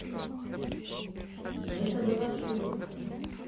да это была шутка